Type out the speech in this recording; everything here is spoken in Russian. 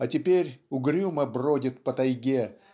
а теперь угрюмо бродит по тайге